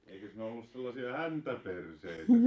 eikös ne ollut sellaisia häntäperseitä